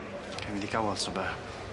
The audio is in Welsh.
Gai fynd i gawod ta be'?